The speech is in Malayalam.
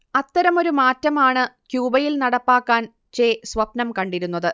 അത്തരമൊരു മാറ്റം ആണ് ക്യൂബയിൽ നടപ്പാക്കാൻ ചെ സ്വപ്നം കണ്ടിരുന്നത്